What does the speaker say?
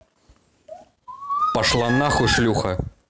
пошла нахуй шлюха